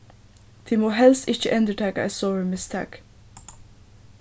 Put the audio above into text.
tit mugu helst ikki endurtaka eitt sovorðið mistak